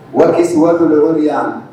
Waati surɔtil uliya .